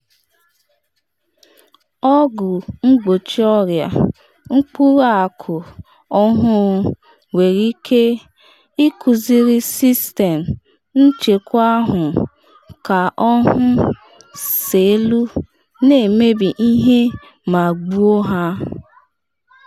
Ọgwụ mgbochi ọrịa mkpụrụ akụ ọhụrụ nwere ike ikuziri sistem nchekwa ahụ ka ọ “hụ” selụ na-emebi ihe ma gbuo ha